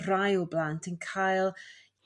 rai o blant yn cael